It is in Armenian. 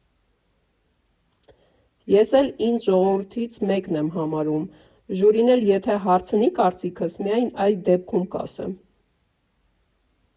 Ես էլ ինձ ժողովրդից մեկն եմ համարում, ժյուրին էլ եթե հարցնի կարծիքս, միայն այդ դեպքում կասեմ։